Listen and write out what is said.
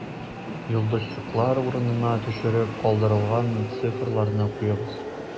Йолдызчыклар урынына төшереп калдырылган цифрларны куегыз: